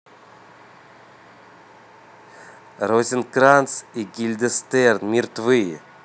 розенкранц и гильденстерн мертвы